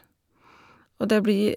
Og det blir...